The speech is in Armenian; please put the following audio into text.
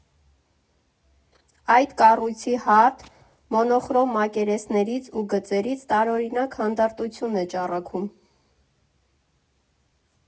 Այդ կառույցի հարթ, մոնոխրոմ մակերեսներից ու գծերից տարօրինակ հանդարտություն է ճառագում։